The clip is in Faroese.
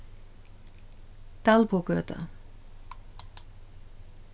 dalbøgøta